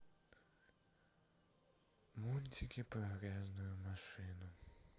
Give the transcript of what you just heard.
мультики про грязную машинку